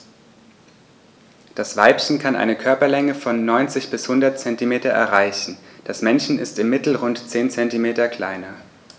Das Weibchen kann eine Körperlänge von 90-100 cm erreichen; das Männchen ist im Mittel rund 10 cm kleiner.